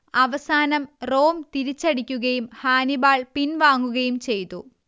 അവസാനം റോം തിരിച്ചടിക്കുകയും ഹാനിബാൾ പിൻവാങ്ങുകയും ചെയ്തു